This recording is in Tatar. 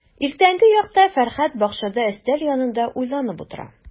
Иртәнге якта Фәрхәт бакчада өстәл янында уйланып утыра.